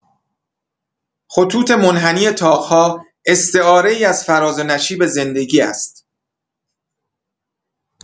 خطوط منحنی طاق‌ها، استعاره‌ای از فراز و نشیب زندگی است.